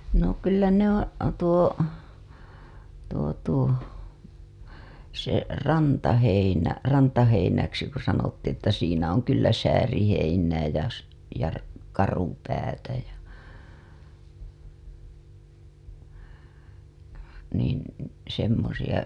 no kyllä ne on tuo tuo tuo se rantaheinä rantaheinäksi kun sanottiin että siinä on kyllä sääriheinää ja - ja - karupäätä ja niin semmoisia